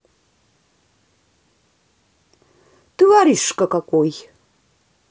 ты воришка какой